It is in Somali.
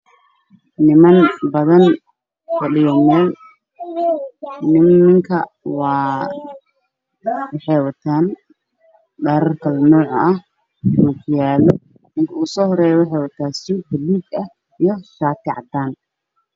Niman badan fadhiya meel nimanka wa waxay wataan dhar kala nuuc ah ookiyaalo ninka uhu soo horeeyo wuxuu wataa suud baluug ah iyo shaati cadaan ah.